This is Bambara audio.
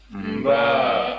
nba